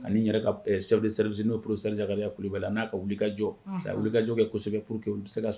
Ani yɛrɛ sɛ seliri n'oorour sari zya kulu kulubali a n'a ka wuli ka jɔ wuli kajɔ kɛsɛbɛ kosɛbɛ pur que se ka